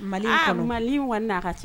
Mali ma wa n'a ka ten